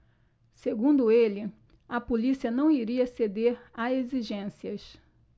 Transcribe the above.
segundo ele a polícia não iria ceder a exigências